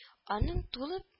Аның тулып